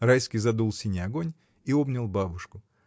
Райский задул синий огонь и обнял бабушку.